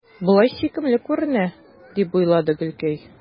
Болай сөйкемле күренә, – дип уйлады Гөлкәй.